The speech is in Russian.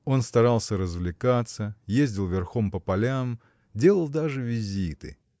Он старался развлекаться, ездил верхом по полям, делал даже визиты.